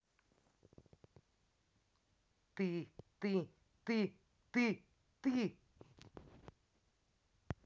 ты ты ты ты ты